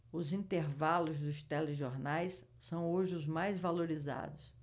os intervalos dos telejornais são hoje os mais valorizados